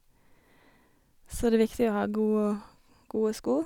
Så det er viktig å ha go gode sko.